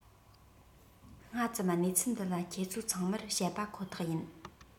སྔ ཙམ གནས ཚུལ འདི ལ ཁྱེད ཚོ ཚང མར བཤད པ ཁོ ཐག ཡིན